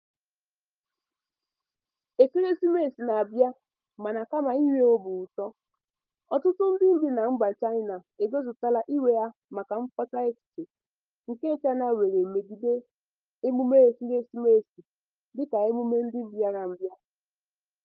Ekeresimesi na-abịa mana kama inwe obiụtọ, ọtụtụ ndị bi na mba China egosipụtala iwe ha maka mkpọsa echiche nke China nwere megide emume Ekeresimesi dịka emume ndị mbịarambịa.